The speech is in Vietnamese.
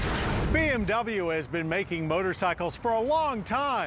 bi èm đáp lưu ét dì mếch kinh bo đơ sai cót pho oăn thai